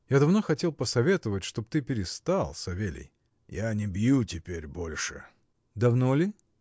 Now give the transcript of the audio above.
Я давно хотел посоветовать, чтоб ты перестал, Савелий. — Я не бью теперь больше. — Давно ли?